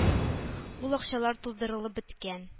Ул акчалар туздырылып беткән